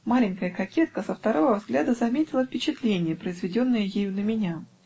Маленькая кокетка со второго взгляда заметила впечатление, произведенное ею на меня